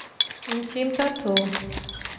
интим тату